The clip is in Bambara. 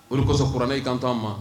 Olu kɔsɔn kuranna'i kanto taa an ma